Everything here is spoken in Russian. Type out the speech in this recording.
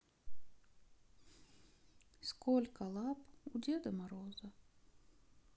сколько лап у деда мороза